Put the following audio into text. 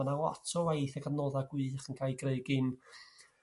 ma' 'na lot o waith ac adnodda' gwych yn cael 'u greu gin